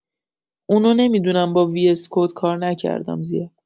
اونو نمی‌دونم با وی اس کد کار نکردم زیاد